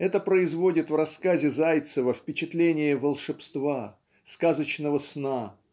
это производит в рассказе Зайцева впечатление волшебства сказочного сна